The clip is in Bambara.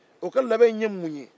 o ka labɛn in ye mun ye